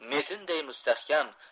metinday mustahkam